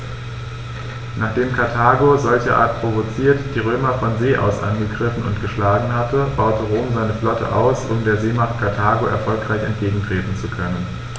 Nachdem Karthago, solcherart provoziert, die Römer von See aus angegriffen und geschlagen hatte, baute Rom seine Flotte aus, um der Seemacht Karthago erfolgreich entgegentreten zu können.